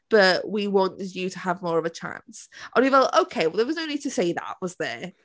"but, we want you to have more of a chance." O'n i fel "Ok, well there was no need to say that, was there?"